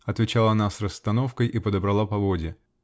-- отвечала она с расстановкой и подобрала поводья.